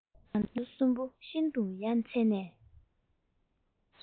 ང ཚོ གསུམ པོ ཤིན ཏུ ཡ མཚན ནས